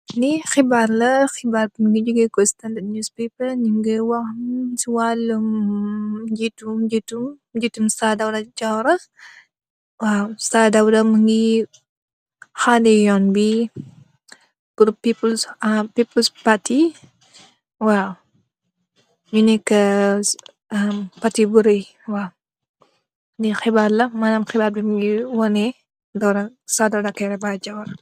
Lii xibaar la, xibaar bi mu ngi jogee si "Standard News Paper"ñu ngee wax si waalum, ñitum Saa Daawuda, Saa Daawuda Jawara, Saa Daawuda mu ngi xalë Yoon wi pur piipuls pati, waaw. Mu neekë, pati bu rëy, waaw. Lii xibaar la , xibaar bi, mu ngee wane, Saa Daawuda Jawara.